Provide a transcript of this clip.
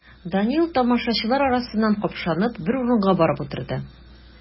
Данил, тамашачылар арасыннан капшанып, бер урынга барып утырды.